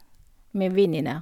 Med venninner.